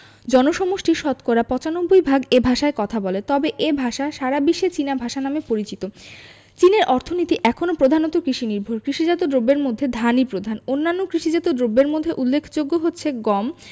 জনসমষ্টির শতকরা ৯৫ ভাগ এ ভাষায় কথা বলে তবে এ ভাষা সারা বিশ্বে চীনা ভাষা নামে পরিচিত চীনের অর্থনীতি এখনো প্রধানত কৃষিনির্ভর কৃষিজাত দ্রব্যের মধ্যে ধানই প্রধান অন্যান্য কৃষিজাত দ্রব্যের মধ্যে উল্লেখযোগ্য হচ্ছে গম